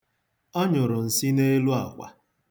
Ọ nyụrụ nsị n'elu akwa.